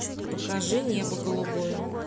покажи небо голубое